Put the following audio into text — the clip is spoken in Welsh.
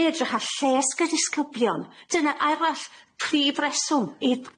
Ne' edrych ar lles y disgyblion dyna arall prif reswm i